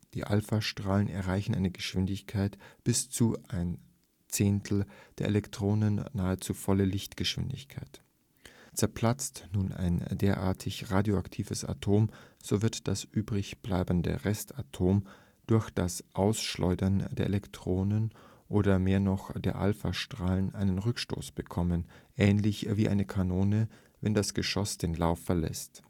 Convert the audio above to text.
die Alphastrahlen erreichen eine Geschwindigkeit bis zu 1/10, die Elektronen nahezu volle Lichtgeschwindigkeit. Zerplatzt nun ein derartig radioaktives Atom, so wird das übrigbleibende Rest-Atom durch das Ausschleudern der Elektronen oder mehr noch der Alphastrahlen einen Rückstoß bekommen, ähnlich wie die Kanone, wenn das Geschoss den Lauf verlässt